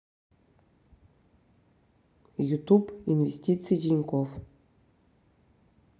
ютуб инвестиции тиньков